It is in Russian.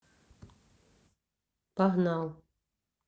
погнал